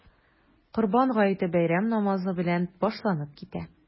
Корбан гаете бәйрәм намазы белән башланып китә.